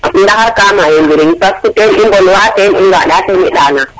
ndaxar ka maya njiriñ yaam ten i mbonwa ten i ŋaɗa ndana